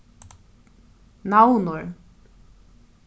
navnorð